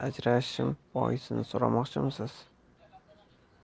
ajralishim boisini so'ramoqchisiz